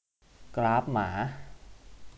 กราฟหมา